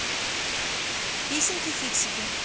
песенки фиксики